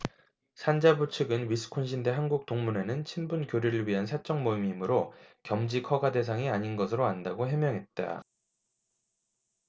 산자부 측은 위스콘신대 한국 동문회는 친분교류를 위한 사적 모임이므로 겸직 허가 대상이 아닌 것으로 안다고 해명했다